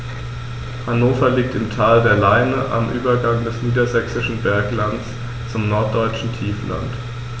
Hannover liegt im Tal der Leine am Übergang des Niedersächsischen Berglands zum Norddeutschen Tiefland.